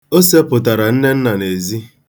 O sepụtara Nnenna n'ezi.